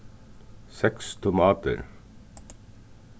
seks tomatir